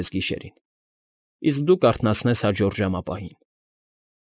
Կեսգիշերին, իսկ դու կարթնացնես հաջորդ ժամապահին։